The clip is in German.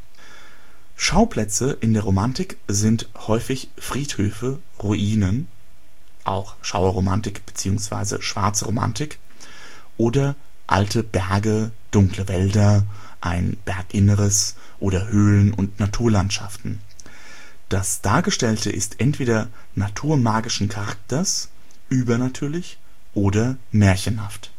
Schauplätze in der Romantik sind häufig Friedhöfe, Ruinen (Schauerromantik bzw. Schwarze Romantik) oder alte Berge, dunkle Wälder, ein Berginneres oder Höhlen und Naturlandschaften. Das Dargestellte ist entweder naturmagischen Charakters, übernatürlich, oder märchenhaft